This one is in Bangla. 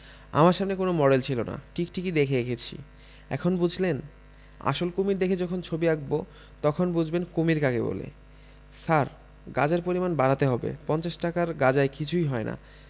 আমার সামনে কোন মডেল ছিল না টিকটিকি দেখে এঁকেছি এখন বুঝলেন আসল কমীর দেখে যখন ছবি আঁকব তখন বুঝবেন কুমীর কাকে বলে স্যার গাঁজার পরিমাণ বাড়াতে হবে পঞ্চাশ টাকার গাজায় কিছুই হয় না